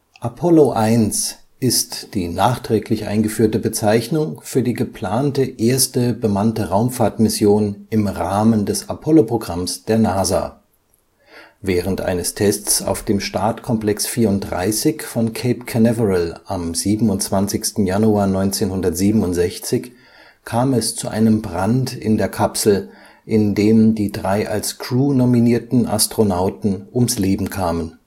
Apollo 1 ist die nachträglich eingeführte Bezeichnung für die geplante erste bemannte Raumfahrtmission im Rahmen des Apollo-Programms der NASA. Während eines Tests auf dem Startkomplex 34 von Cape Canaveral am 27. Januar 1967 kam es zu einem Brand in der Kapsel, in dem die drei als Crew nominierten Astronauten ums Leben kamen